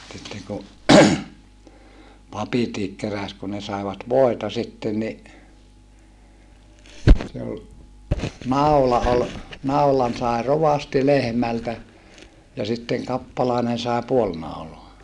sitten kun papitkin keräsi kun ne saivat voita sitten niin se oli naula oli naulan sai rovasti lehmältä ja sitten kappalainen sai puoli naulaa